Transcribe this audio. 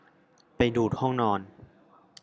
ไปดููดห้องนอน